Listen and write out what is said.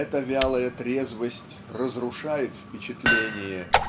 эта вялая трезвость разрушают впечатление